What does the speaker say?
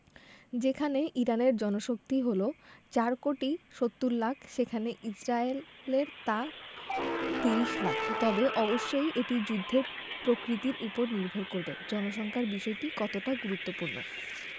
যেখানে ইরানের জনশক্তি হলো ৪ কোটি ৭০ লাখ সেখানে ইসরায়েলের তা ৩০ লাখ তবে অবশ্যই এটি যুদ্ধের প্রকৃতির ওপর নির্ভর করবে জনসংখ্যার বিষয়টি কতটা গুরুত্বপূর্ণ